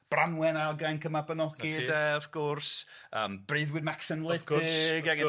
Branwen ail Gainc y Mabinogi de w'th gwrs yym breuddwyd Maxen Wledig. Wrth gwrs wrth gwrs.